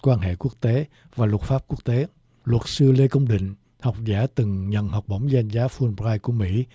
quan hệ quốc tế và luật pháp quốc tế luật sư lê công định học giả từng nhận học bổng danh giá phôn roai của mỹ